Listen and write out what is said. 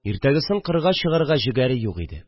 Иртәгесен кырга чыгарга жегәре юк иде